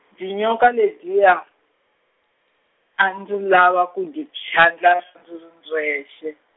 dyinyoka ledyiya, a ndzi lava ku dyi phyandlasa ndzi ri ndzexe.